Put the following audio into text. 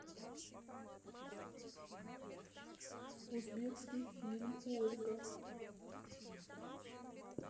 узбекский фильм ольга